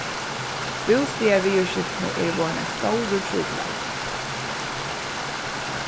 bústaðarviðurskiftini eru vorðin ein stórur trupulleiki